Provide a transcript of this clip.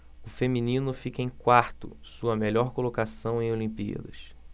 o feminino fica em quarto sua melhor colocação em olimpíadas